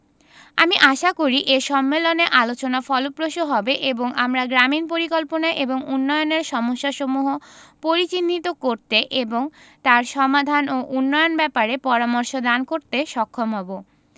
আমি আশা করি এ সম্মেলনে আলোচনা ফলপ্রসূ হবে এবং আমরা গ্রামীন পরিকল্পনা এবং উন্নয়নের সমস্যাসমূহ পরিচিহ্নিত করতে এবং তার সমাধান ও উন্নয়ন ব্যাপারে পরামর্শ দান করতে সক্ষম হবো